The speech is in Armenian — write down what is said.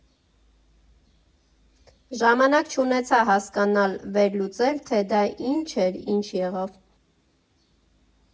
Ժամանակ չունեցա հասկանալ, վերլուծել, թե դա ինչ էր, ինչ եղավ։